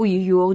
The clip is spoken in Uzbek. uyi yo'q